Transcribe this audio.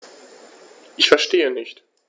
Ich verstehe nicht.